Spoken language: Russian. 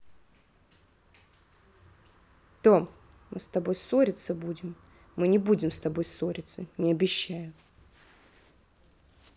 tomb мы с тобой ссориться будем мы не будем с тобой ссориться не обещаю